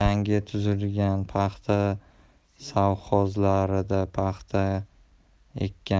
yangi tuzilgan paxta sovxozlarida paxta ekgan